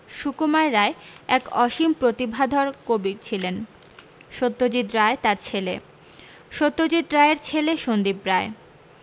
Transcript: সুকুমার রায় এক অসীম প্রতিভাধর কবি ছিলেন সত্যজিত রায় তার ছেলে সত্যজিত রায়ের ছেলে সন্দীপ রায়